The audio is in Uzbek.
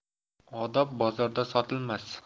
odob bozorda sotilmas